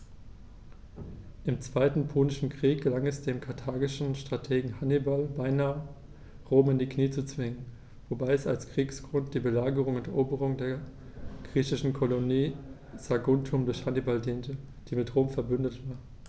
Im Zweiten Punischen Krieg gelang es dem karthagischen Strategen Hannibal beinahe, Rom in die Knie zu zwingen, wobei als Kriegsgrund die Belagerung und Eroberung der griechischen Kolonie Saguntum durch Hannibal diente, die mit Rom „verbündet“ war.